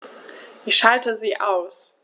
Ich schalte sie aus.